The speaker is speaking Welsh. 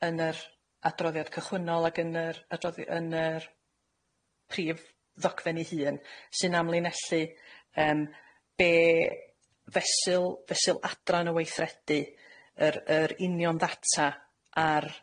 yn yr adroddiad cychwynnol ac yn yr adroddi- yn yr prif ddogfen ei hun sy'n amlinellu yym, be' fesul fesul adran o weithredu, yr yr union ddata ar